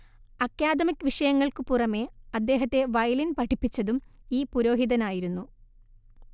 academic വിഷയങ്ങൾക്കു പുറമേ അദ്ദേഹത്തെ വയലിൻ പഠിപ്പിച്ചതും ഈ പുരോഹിതനായിരുന്നു